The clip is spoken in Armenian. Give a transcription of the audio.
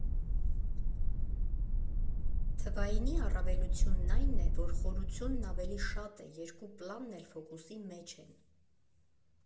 Թվայինի առավելությունն այն է, որ խորությունն ավելի շատ է, երկու պլանն էլ ֆոկուսի մեջ են.